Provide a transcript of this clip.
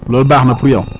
loolu baax na pour yow